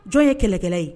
Jɔn ye kɛlɛkɛla ye